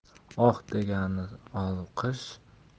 oq degani olqish